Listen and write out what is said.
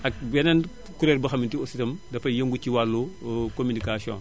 ak beneen kuréel boo xam ne ti aussi itam dafay yëngu ci wàllu communication